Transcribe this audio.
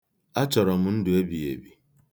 Achọrọ m ndụ ebigheebi.